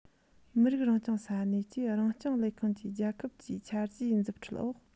མི རིགས རང སྐྱོང ས གནས ཀྱི རང སྐྱོང ལས ཁུངས ཀྱིས རྒྱལ ཁབ ཀྱི འཆར གཞིའི མཛུབ ཁྲིད འོག